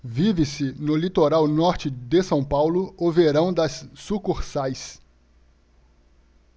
vive-se no litoral norte de são paulo o verão das sucursais